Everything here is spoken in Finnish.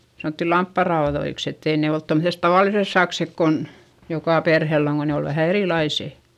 sanottiin lampaanraudoiksi että ei ne ollut tuommoiset tavalliset sakset kun joka perheellä on kun ne oli vähän erilaiset